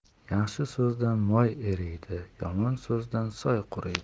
yaxshi so'zdan moy eriydi yomon so'zdan soy quriydi